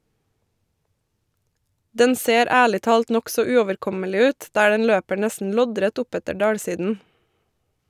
Den ser ærlig talt nokså uoverkommelig ut, der den løper nesten loddrett oppetter dalsiden.